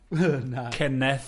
...Kenneth.